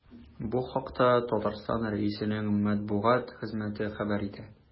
Бу хакта Татарстан Рәисенең матбугат хезмәте хәбәр итә.